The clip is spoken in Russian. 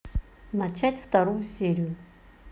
начать вторую серию